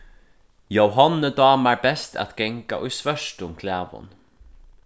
jóhonnu dámar best at ganga í svørtum klæðum